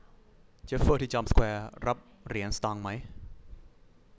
เจฟเฟอร์ที่จามสแควร์รับเหรียญสตางค์ไหม